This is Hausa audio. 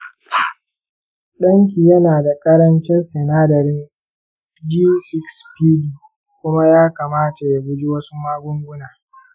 danki yana da ƙarancin sinadarin g6pd kuma ya kamata ya guji wasu magunguna.